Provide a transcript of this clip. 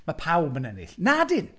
Mae pawb yn ennill. Na dyn!